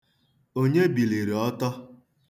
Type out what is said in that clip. Onye biliri ọtọ?